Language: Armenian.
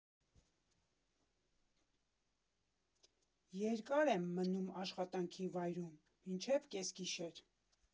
Երկար եմ մնում աշխատանքի վայրում, մինչև կեսգիշեր։